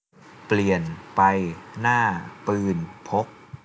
เปลี่ยนไปหน้าปืนพก